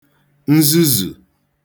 nzuzu